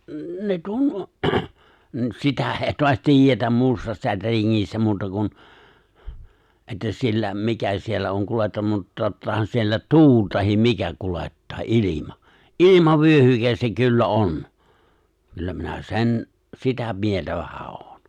- ne - mutta sitä ei taas tiedetä muusta sätringistä muuta kuin että siellä mikä siellä on - mutta tottahan siellä tuuli tai mikä kuljettaa ilma ilmavyöhyke se kyllä on kyllä minä sen sitä mieltä vähän olen